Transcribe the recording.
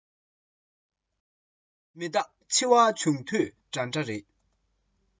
མི རྟག འཆི བ བྱུང དུས འདྲ འདྲ རེད